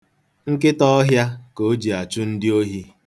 Nkịtaọhịa ka o ji achụ ndị ohi.